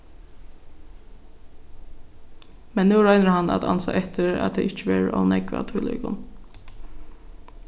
men nú roynir hann at ansa eftir at tað ikki verður ov nógv av tílíkum